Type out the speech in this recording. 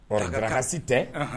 Okarahasi tɛ